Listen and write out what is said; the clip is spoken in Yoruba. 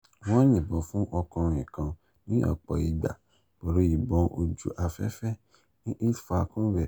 Wọ́n yìnbọn fún ọkùnrin kan ní ọ̀pọ̀ ìgbà pẹ̀lú ìbọn ojú afẹ́fẹ́ ni Ilfracombe